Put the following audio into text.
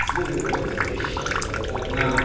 Ti byth yn gwybod faint o risiau sy gynna fo chwaith rili... Na.